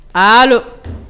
Aa